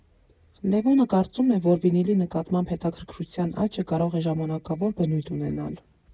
Լևոնը կարծում է, որ վինիլի նկատմամբ հետաքրքրության աճը կարող է ժամանակավոր բնույթ ունենալ.